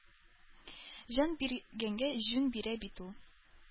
Җан биргәнгә җүн бирә бит ул.